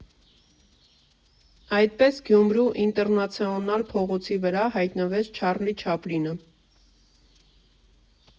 Այդպես Գյումրու Ինտերնացիոնալ փողոցի վրա հայտնվեց Չարլի Չապլինը։